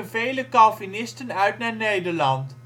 vele Calvinisten uit naar Nederland